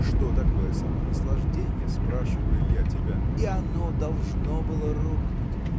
-- Что такое самонаслажденье, спрашиваю я тебя? -- И оно должно было рухнуть.